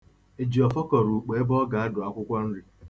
Ejiọfọ kọrọ ukpo ebe ọ ga-adụ akwụkwọ nri.